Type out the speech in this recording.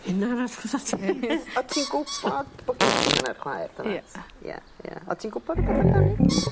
Un arall fatha ti. O' ti'n gwbod bo' gin chdi hanner chwaer doeddet. Ia. ia ia. O' ti'n gwbod rwbeth amdani?